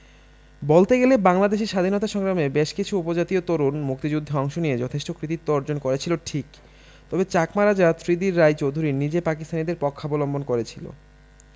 বলতে গেলে বাংলাদেশের স্বাধীনতা সংগ্রামে বেশকিছু উপজাতীয় তরুণ মুক্তিযুদ্ধে অংশ নিয়ে যথেষ্ট কৃতিত্ব অর্জন করেছিল ঠিক তবে চাকমা রাজা ত্রিদির রায় চৌধুরী নিজে পাকিস্তানীদের পক্ষাবলম্বন করেছিল